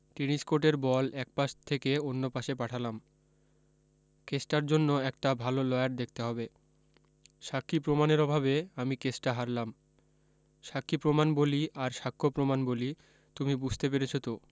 tennis কোটের ball একপাস থেকে অন্য পাসে পাঠালাম কেসটার জন্য একটা ভালো লয়্যার দেখতে হবে সাক্ষী প্রমানের অভাবে আমি কেসটা হারলাম সাক্ষী প্রমাণ বলি আর সাক্ষ্য প্রমাণ বলি তুমি বুঝতে পেরেছো তো